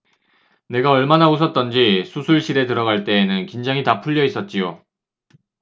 내가 얼마나 웃었던지 수술실에 들어갈 때에는 긴장이 다 풀려 있었지요